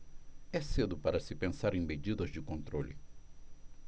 é cedo para se pensar em medidas de controle